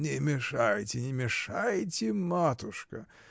— Не мешайте, не мешайте, матушка!